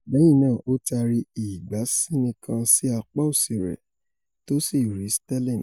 Lẹ́yìn náà ó taari ìgbásíni kan sí apá òsì rẹ̀, tósì rí Sterling.